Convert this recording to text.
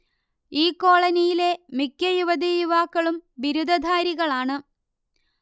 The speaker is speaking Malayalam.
ഈ കോളനിയിലെ മിക്ക യുവതിയുവാക്കളും ബിരുദധാരികളാണ്